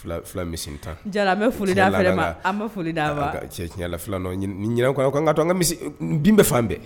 Fila misi ntan . Diyalo an bi foli di a fana ma . An bi foli da ma. Tiɲɛ fila ninun ɲinan kɔni an ka bin bɛ fan bɛɛ